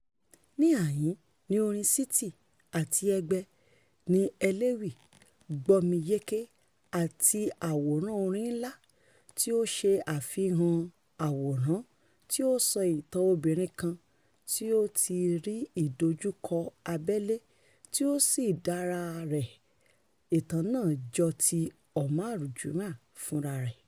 Híhàyín ni orin Siti àti Ẹgbẹ́ “Nielewe” (“Gbó mi yéké”) àti àwòrán orin náà, tí ó ṣe àfihàn-an àwòrán-an, tí ó sọ ìtàn obìnrin kan tí ó ń rí ìdojúkọ abẹ̀-ilé, tí ó sì ń dárò ara rẹ̀. Ìtàn náà jọ ti Omar Juma fúnra rẹ̀: